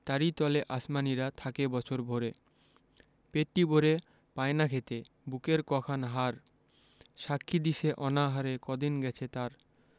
তারি তলে আসমানীরা থাকে বছর ভরে পেটটি ভরে পায় না খেতে বুকের ক খান হাড় সাক্ষী দিছে অনাহারে কদিন গেছে তার